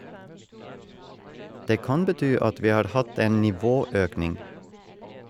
Det kan bety at vi har hatt en nivåøkning.